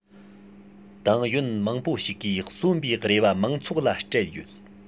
ཏང ཡོན མང པོ ཞིག གིས གསོན པའི རེ བ མང ཚོགས ལ སྤྲད ཡོད